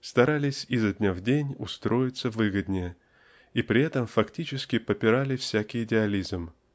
старались изо дня в день устроиться выгоднее и при этом фактически попирали всякий идеализм